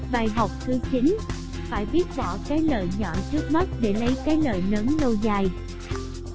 bài học thứ phải biết bỏ cái lợi nhỏ trước mắt để lấy cái lợi lớn lâu dài